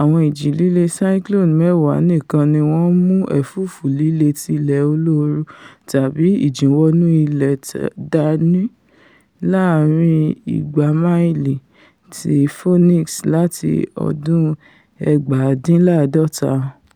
''àwọn ìjì-líle cyclone mẹ́wàá nìkan níwọn nmú ẹ̀fúùfú lílé tilẹ̀ olóoru tàbi ìjìnwọnú-ilẹ̀ dání láàrin igba máìlì ti Phoenix láti ọdún 1950!